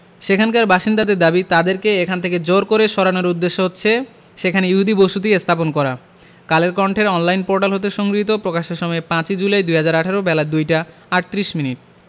সেখানকার বাসিন্দাদের দাবি তাদেরকে এখান থেকে জোর করে সরানোর উদ্দেশ্য হচ্ছে সেখানে ইহুদি বসতি স্থাপন করা কালের কন্ঠের অনলাইন পোর্টাল হতে সংগৃহীত প্রকাশের সময় ৫ ই জুলাই ২০১৮ বেলা ২টা ৩৮ মিনিট